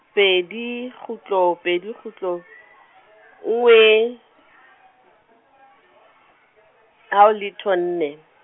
pedi kgutlo, pedi kgutlo, nngwe, haho letho, nne.